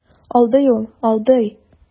Алдый ул, алдый.